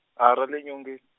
a ra lenyonge-.